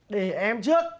để em trước